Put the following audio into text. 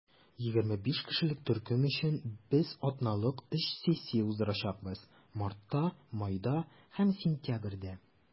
25 кешелек төркем өчен без атналык өч сессия уздырачакбыз - мартта, майда һәм сентябрьдә.